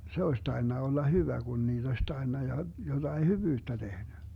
se olisi tainnut olla hyvä kun niitä olisi tainnut ja jotakin hyvyyttä tehnyt